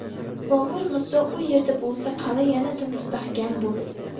bobur mirzo u yerda bo'lsa qala yanada mustahkam bo'lur